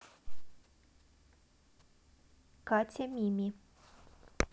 катя мими